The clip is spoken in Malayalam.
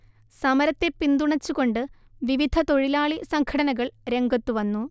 സമരത്തെ പിന്തുണച്ചുകൊണ്ട് വിവിധതൊഴിലാളി സംഘടനകൾ രംഗത്തു വന്നു